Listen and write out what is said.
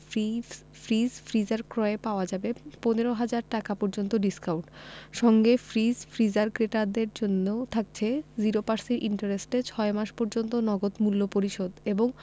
fridge freezer ক্রয়ে পাওয়া যাবে ১৫ ০০০ টাকা পর্যন্ত ডিসকাউন্ট সঙ্গে ফ্রিজ/ফ্রিজার ক্রেতাদের জন্য থাকছে ০% ইন্টারেস্টে ৬ মাস পর্যন্ত নগদ মূল্য পরিশোধ এবং